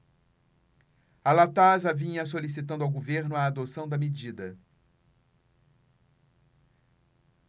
a latasa vinha solicitando ao governo a adoção da medida